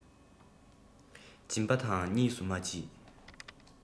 སྦྱིན པ དང གཉིས སུ མ མཆིས